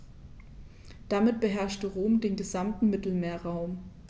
Damit beherrschte Rom den gesamten Mittelmeerraum.